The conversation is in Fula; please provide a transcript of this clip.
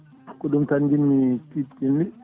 ko ɗum tan jinmi siftinde